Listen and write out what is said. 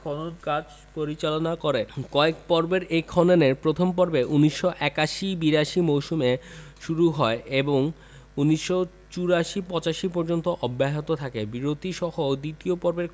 খনন কাজ পরিচালনা করে কয়েক পর্বের এ খননের ১ম পর্ব ১৯৮১ ৮২ মৌসুমে শুরু হয় এবং ১৯৮৪ ৮৫ পর্যন্ত অব্যাহত থাকে বিরতিসহ দ্বিতীয় পর্বের